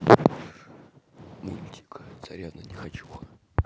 мультик царевна нехочуха